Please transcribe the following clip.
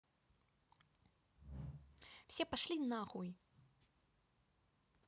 все пошли нахуй